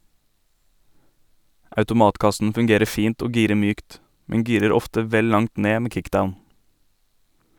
Automatkassen fungerer fint og girer mykt, men girer ofte vel langt ned med kickdown.